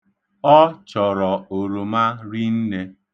Ọ chọrọ oroma rinne.